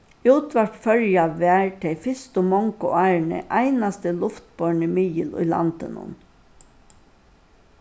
útvarp føroya var tey fyrstu mongu árini einasti luftborni miðil í landinum